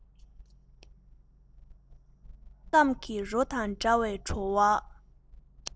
ཤ སྐམ གྱི རོ དང འདྲ བའི བྲོ བ